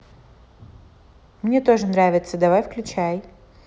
мне тоже нравится давай включай